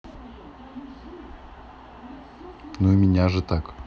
ну и меня же так